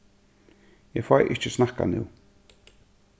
eg fái ikki snakkað nú